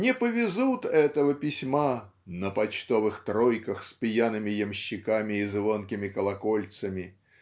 не повезут этого письма "на почтовых тройках с пьяными ямщиками и звонкими колокольцами"